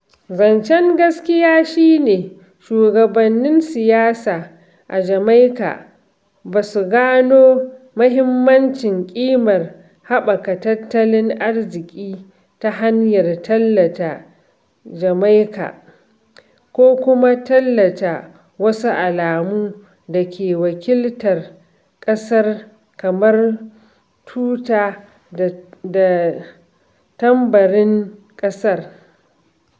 Zancen gaskiya shi ne shugabannin siyasa a Jamaika ba su gano muhimmancin ƙimar haɓaka tattalin arziƙi ta hanyar tallata "Jamaika" ko kuma tallata wasu alamu da ke "wakiltar" ƙasar kamar tuta da tambarin ƙasar.